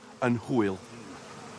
...yn hwyl.